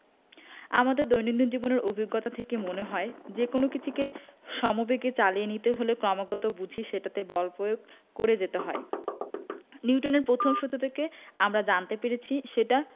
আমাদের দৈনন্দিন জীবনের অভিজ্ঞতা থেকে মনে হয় যেকোনো কিছুকে সমবেগে চালিয়ে নিতে হলে ক্রমাগত বুঝি সেটাতে বল পয়োগ করে যেতে হয় নিউটনের পথম সূত্র থেকে আমরা জানতে পেরেছি সেটা